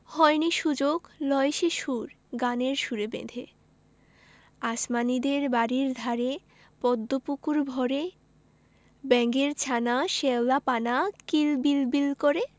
হয়নি সুযোগ লয় সে সুর গানের সুরে বেঁধে আসমানীদের বাড়ির ধারে পদ্ম পুকুর ভরে ব্যাঙের ছানা শ্যাওলা পানা কিল বিল বিল করে